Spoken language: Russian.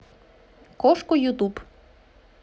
кошку ютуб